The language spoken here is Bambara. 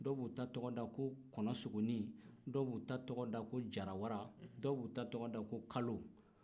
dɔw b'u ta tɔgɔda ko kɔnɔsogoni dɔw b'u ta tɔgɔda ko jara wara dɔw b'u ta tɔgɔda ko kalo